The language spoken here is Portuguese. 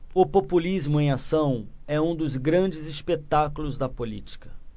o populismo em ação é um dos grandes espetáculos da política